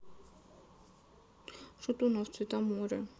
шатунов цвета моря